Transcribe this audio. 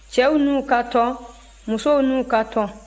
cɛw n'u ka tɔn musow n'u ka tɔn